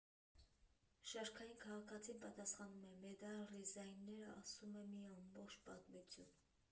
Շարքային քաղաքացին պատասխանում է՝ մեդալ, դիզայներները ասում են՝ մի ամբողջ պատմություն։